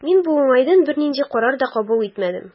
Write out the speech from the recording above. Мин бу уңайдан бернинди карар да кабул итмәдем.